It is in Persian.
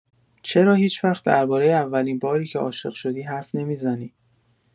چرا هیچ‌وقت درباره اولین باری که عاشق شدی، حرف نمی‌زنی؟